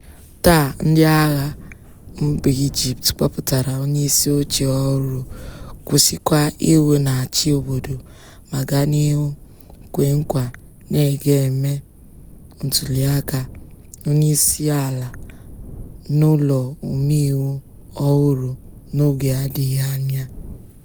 Taa, ndị agha mba Ijipt kpọpụtara onyeisi oche ọhụrụ, kwụsịkwa iwu na-achị obodo ma gaa n'ihu kwe nkwa na a ga-eme ntuli aka onye isi ala na ụlọ omeiwu ọhụrụ n'oge adịghị anya.